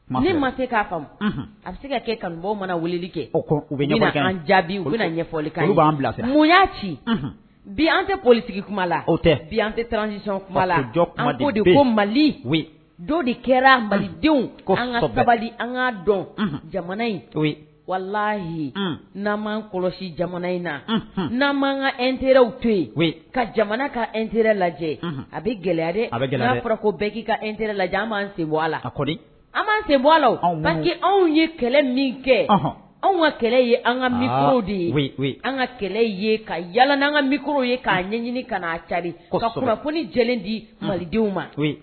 Ne ma se k'a faamu a bɛ se ka kɛ bɔ mana weleli kɛ o u bɛ jaabi u bɛna na ɲɛfɔli kan b'an bila mun y'a ci bi an tɛ kɔlɔsilitigi kuma la o tɛ bi tɛz kuma la jɔ dɔw de ko mali do de kɛra malidenw an ka dɔn jamana in to walahiyi n'an kɔlɔsi jamana in na n'an'an ka n terirw to yen ka jamana ka n terir lajɛ a bɛ gɛlɛya a bɛ gɛlɛya an fɔra ko bɛɛ k'i ka e teri lajɛ an b'an sen a la an ma sen anw ye kɛlɛ min kɛ anw ka kɛlɛ ye an ka mi de ye an ka kɛlɛ ye ka yaala' an ka mikw ye k'a ɲɛ ɲini ka'a ca ni jɛ di malidenw ma